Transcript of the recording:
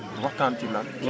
waxtaan ci lan